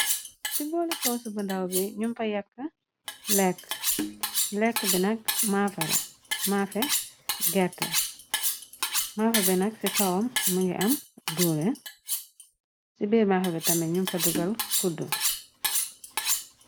Ci booli kawsu bu ndaw bi nung fa yàkk lekk, lekk bi nak mafè la, mafè gerte mafè bi nak ci kawam mëngi am duulin ci bir mafe bi tame nung fa dugal kudd.